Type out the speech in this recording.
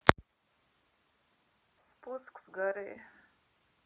спуск с горы